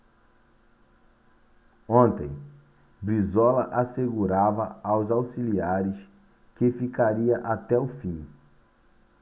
ontem brizola assegurava aos auxiliares que ficaria até o fim